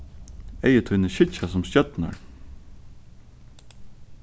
eygu tíni skyggja sum stjørnur